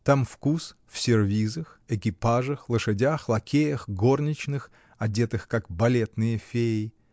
Там вкус — в сервизах, экипажах, лошадях, лакеях, горничных, одетых, как балетные феи.